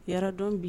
I' dɔn bi